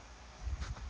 Ռեժիսոր՝ Հայկ Կբեյան։